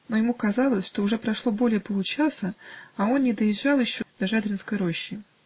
Но ему казалось, что уже прошло более получаса, а он не доезжал еще до Жадринской рощи.